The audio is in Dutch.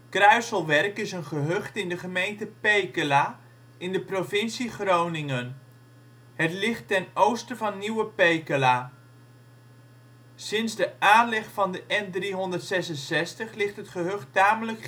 Kruiselwerk is een gehucht in de gemeente Pekela in de provincie Groningen. Het ligt ten oosten van Nieuwe Pekela. Sinds de aanleg van de N366 ligt het gehucht tamelijk